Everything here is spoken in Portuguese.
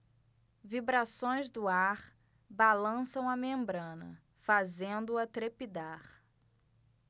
vibrações do ar balançam a membrana fazendo-a trepidar